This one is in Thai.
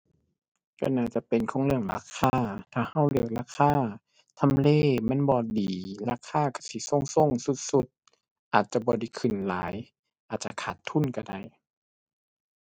ก็น่าจะเป็นของเรื่องราคา ถ้าก็เลือกราคา ทำเลมันบ่ดี ราคาก็สิทรงทรงทรุดทรุด อาจจะบ่ได้ขึ้นหลาย อาจจะขาดทุนก็ได้